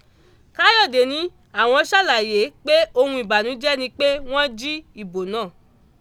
Káyọ̀dé ní àwọn ṣàlàyé pé ohun ìbànújẹ́ ni pé wọ́n jí ìbò náà.